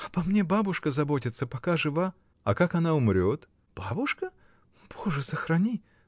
Обо мне бабушка заботится, пока жива. — А как она умрет? — Бабушка? Боже сохрани!